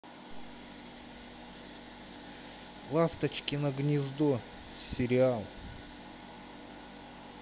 ласточкино гнездо сериал